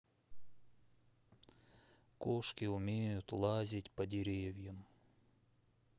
кошки умеют лазить по деревьям